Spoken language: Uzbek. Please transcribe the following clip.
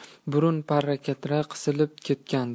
burun parraktari qisilib ketgandi